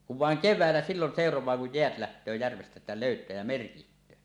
kun vain keväällä silloin seuraa kun jäät lähtee järvestä että löytää ja merkitsee